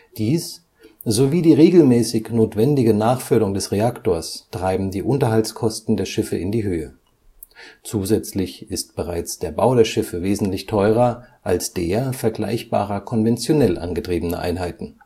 Dies sowie die regelmäßig notwendige Nachfüllung des Reaktors treiben die Unterhaltskosten der Schiffe in die Höhe. Zusätzlich ist bereits der Bau der Schiffe wesentlich teurer als der vergleichbarer konventionell angetriebener Einheiten